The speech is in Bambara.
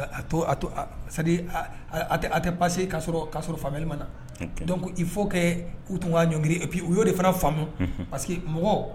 To to a tɛ parce' k'a sɔrɔ fa ma na dɔn i fo ku tun kaa ɲɔn u y'o de fana faamumu parce que mɔgɔ